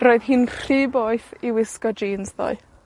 Roedd hi'n rhy boeth i wisgo jîns ddoe.